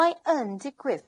Mae yn digwydd.